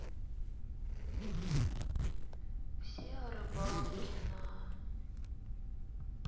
все о рыбалке на